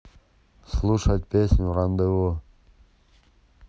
слушать песню рандеву